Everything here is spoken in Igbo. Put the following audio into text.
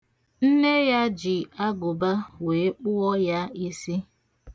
Nne ya ji agụba wee kpụọ ya isi.